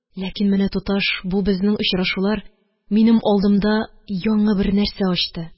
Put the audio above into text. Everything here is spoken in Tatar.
Ләкин менә, туташ, бу безнең очрашулар, минем алдымда яңы бер нәрсә ачты.